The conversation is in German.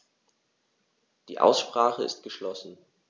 Die Aussprache ist geschlossen.